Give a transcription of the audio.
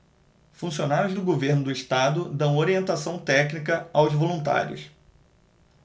funcionários do governo do estado dão orientação técnica aos voluntários